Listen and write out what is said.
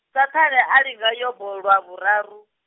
Saṱhane a linga Yobo, lwa vhuraru?